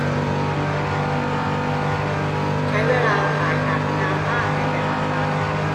ใช้เวลาถ่ายหนักนานมากในแต่ละครั้ง